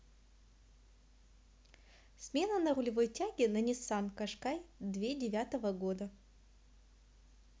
смена на рулевой тяге на ниссан кашкай две девятого года